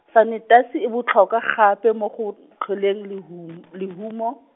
sanetasi e botlhokwa gape mo go n- tlholeng lehu- lehumo.